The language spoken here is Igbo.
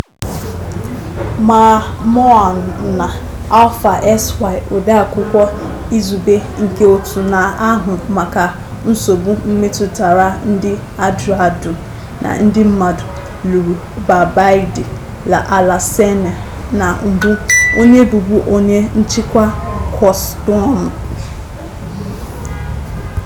Maimouna Alpha Sy, odeakwụkwọ izugbe nke Òtù na-ahụ maka Nsogbu Metụtara Ndị Ajadu na Ndị Mmadụ, lụrụ Ba Baïdy Alassane na mbụ, onye bụbu onye nchịkwa kọstọmu.